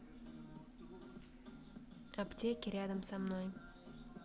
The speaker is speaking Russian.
аптеки рядом со мной